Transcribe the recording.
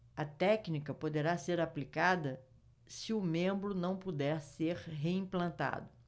a técnica poderá ser aplicada se o membro não puder ser reimplantado